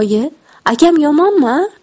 oyi akam yomon a